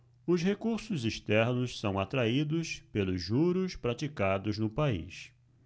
os recursos externos são atraídos pelos juros praticados no país